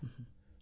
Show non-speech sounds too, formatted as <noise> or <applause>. <hesitation> <hesitation>